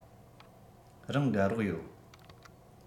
རང དགའ རོགས ཡོད